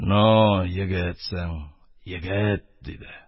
— ну, егетсең, егет! — диде.